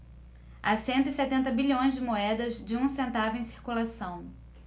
há cento e setenta bilhões de moedas de um centavo em circulação